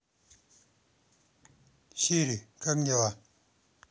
сири как дела